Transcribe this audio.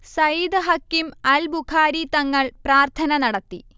സയ്ദ് ഹഖീം അൽ ബുഹാരി തങ്ങൾ പ്രാർത്ഥന നടത്തി